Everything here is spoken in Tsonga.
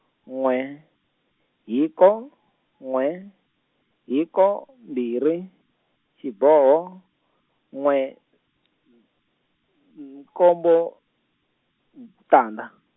n'we hiko n'we hiko mbirhi, xiboho, n'we, n- nkombo, n- tandza.